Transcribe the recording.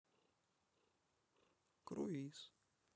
круиз